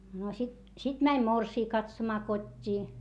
no sitten sitten meni morsian katsomaan kotiin